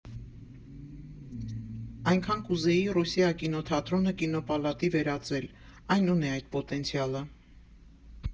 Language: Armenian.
Այնքան կուզեի «Ռոսիա» կինոթատրոնը կինոպալատի վերածել, այն ունի այդ պոտենցիալը։